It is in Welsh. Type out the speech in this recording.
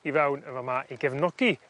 i fewn yn fa' 'ma i gefnogi